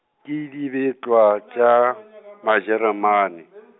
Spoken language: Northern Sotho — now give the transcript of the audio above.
ke dibetlwa tša, Majeremane.